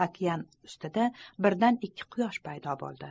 okean ustida birdan ikki quyosh paydo bo'ldi